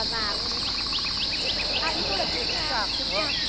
và già nữa đúng không ạ à ý tôi là chững chạc chững chạc